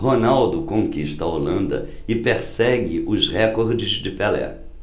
ronaldo conquista a holanda e persegue os recordes de pelé